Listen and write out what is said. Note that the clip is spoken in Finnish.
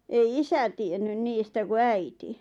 ei isä tiennyt niistä kun äiti